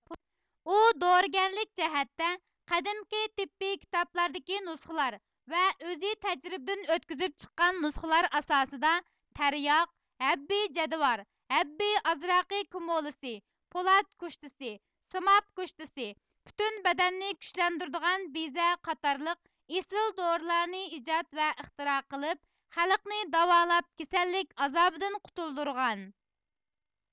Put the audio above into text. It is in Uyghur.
ئۇ دورىگەرلىك جەھەتتە قەدىمكى تېببىي كىتابلاردىكى نۇسخىلار ۋە ئۆزى تەجرىبىدىن ئۆتكۈزۈپ چىققان نۇسخىلار ئاساسىدا تەرياق ھەببى جەدۋار ھەببى ئازراقى كۇمۇلىسى پولات كۇشتىسى سىماب كۇشتىسى پۈتۈن بەدەننى كۈچلەندۈرىدىغان بىزە قاتارلىق ئېسىل دورىلارنى ئىجاد ۋە ئىختىرا قىلىپ خەلقنى داۋالاپ كېسەللىك ئازابىدىن قۇتۇلدۇرغان